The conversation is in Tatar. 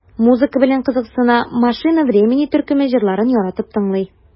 Музыка белән кызыксына, "Машина времени" төркеме җырларын яратып тыңлый.